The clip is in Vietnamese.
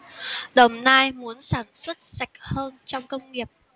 đồng nai muốn sản xuất sạch hơn trong công nghiệp